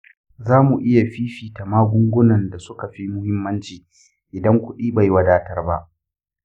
za mu iya fifita magungunan da suka fi muhimmanci idan kuɗi bai wadatar ba.